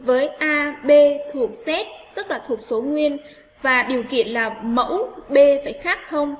với a b thuộc z tức là thuộc số nguyên và điều kiện là mẫu b phải khác không